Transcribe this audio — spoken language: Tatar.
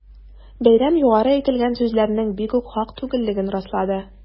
Бәйрәм югарыда әйтелгән сүзләрнең бигүк хак түгеллеген раслады.